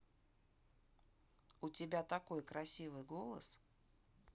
у тебя такой красивый голос